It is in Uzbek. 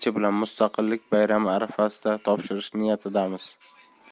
bilan mustaqillik bayrami arafasida topshirish niyatidamiz